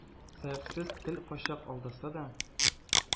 Сөяксез тел кайчак алдаса да,